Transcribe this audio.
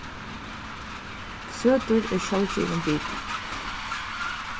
søtur er sjálvgivin biti